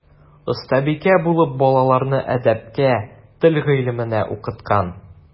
Остабикә булып балаларны әдәпкә, тел гыйлеменә укыткан.